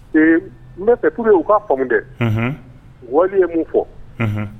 Ee n bɛ fɛ tuur u k'a faamuya tɛ wali ye mun fɔ